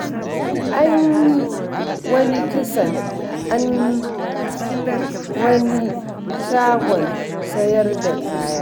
An yi wani kisan an wani shagon sayar da kaya.